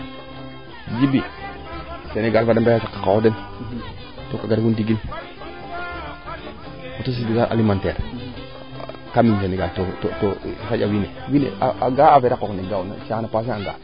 Djiby Senegal fada mbexey a saqa qoox den to te gar fo ndigil alimentaire kaa may Senegal to xanja wiin we ga'a affaire a qooqale ga'oona caxana passer anga